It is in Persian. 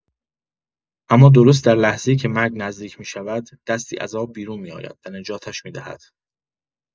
اما درست در لحظه‌ای که مرگ نزدیک می‌شود، دستی از آب بیرون می‌آید و نجاتش می‌دهد.